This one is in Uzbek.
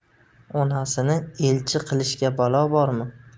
onasini elchi qilishga balo bormi